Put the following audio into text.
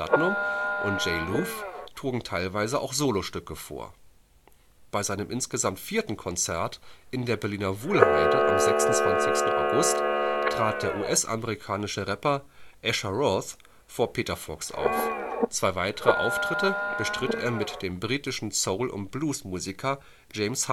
Platnum und J-Luv trugen teilweise auch Solostücke vor. Bei seinem insgesamt vierten Konzert in der Berliner Wuhlheide am 26. August trat der US-amerikanische Rapper Asher Roth vor Peter Fox auf, zwei weitere Auftritte bestritt er mit dem britischen Soul - und Bluesmusiker James